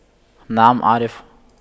نعم اعرف